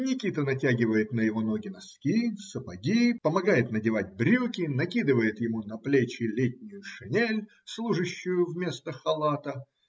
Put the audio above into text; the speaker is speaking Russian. Никита натягивает на его ноги носки, сапоги, помогает надевать брюки, накидывает ему на плечи летнюю шинель, служащую вместо халата.